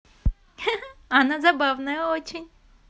она забавная очень